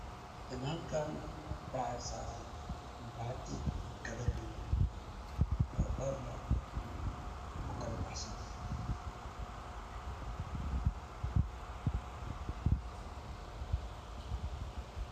Halkaan waxaa saaran baati kala duwan oo dhowr nooc u kala baxsan